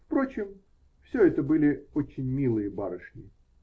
Впрочем, все это были очень милые барышни.